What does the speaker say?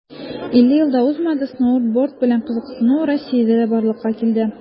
50 ел да узмады, сноуборд белән кызыксыну россиядә дә барлыкка килде.